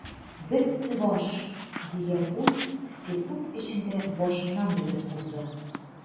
"бетте баш” дигән уй секунд эчендә башыннан йөгереп узды.